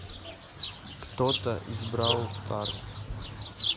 кто то из brawl stars